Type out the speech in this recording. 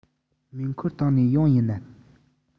མེ འཁོར བཏང ནས ཡོང ཡིན ནམ